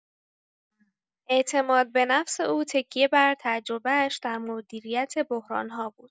اعتماد به نفس او تکیه بر تجربه‌اش در مدیریت بحران‌ها بود.